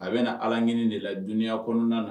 A bɛ na alagini de la dunanya kɔnɔna na